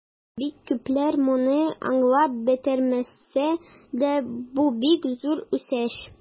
Бик күпләр моны аңлап бетермәсә дә, бу бик зур үсеш.